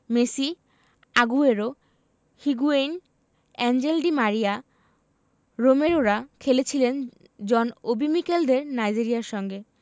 Messi Aguero Higuain Angel Di Maria রোমেরোরা খেলেছিলেন John Obi মিকেলদের নাইজেরিয়ার সঙ্গে